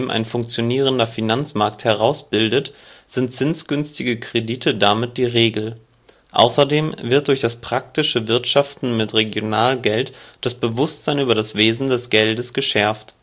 ein funktionierender Finanzmarkt herausbildet, sind zinsgünstige Kredite damit die Regel. Außerdem wird durch das praktische Wirtschaften mit Regionalgeld das Bewusstsein über das Wesen des Geldes geschärft